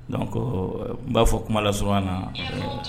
ko n b'a fɔ kuma la s na